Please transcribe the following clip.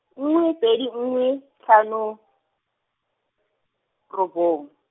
nngwe pedi nngwe, hlano, robong.